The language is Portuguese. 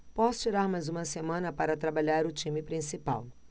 posso tirar mais uma semana para trabalhar o time principal